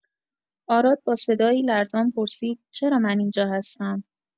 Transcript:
آراد با صدایی لرزان پرسید: «چرا من اینجا هستم؟»